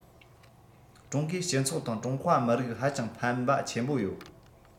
ཀྲུང གོའི སྤྱི ཚོགས དང ཀྲུང ཧྭ མི རིགས ཧ ཅང ཕན པ ཆེན པོ ཡོད